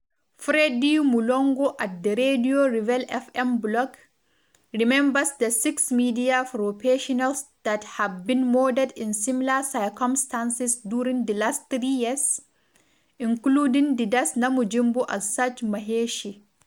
Freddy Mulongo [Fr] at the Radio Revéil FM blog, remembers the six media professionals that have been murdered in similar circumstances during the last three years, including Didace Namujimbo and Serge Maheshe.